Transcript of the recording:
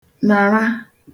nàra